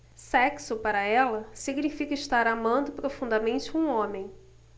sexo para ela significa estar amando profundamente um homem